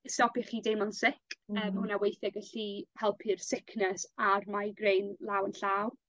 stopio chi deimlo'n sic yym ma' hwnna weithie gellu helpu'r sickness a'r migraine law yn llaw.